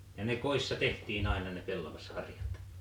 ja ne kodissa tehtiin aina ne pellavaharjat